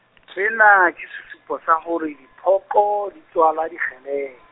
sena, ke sesupo sa hore diphoqo, di tswala dikgele.